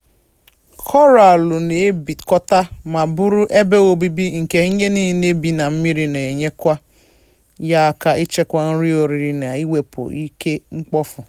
Koraalụ na-ebikọta ma bụrụ ebe obibi nke ihe nille bị na mmiri na-enyekwara ya aka ịchekwa nri oriri na iwepụ ihe mkpofu.